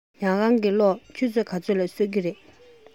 ཉལ ཁང གི གློག ཆུ ཚོད ག ཚོད ལ གསོད ཀྱི རེད